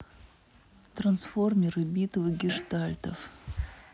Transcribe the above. трансформеры битвы гештальтов